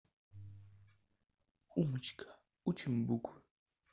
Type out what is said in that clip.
умочка учим буквы